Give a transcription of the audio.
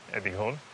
ydi hwn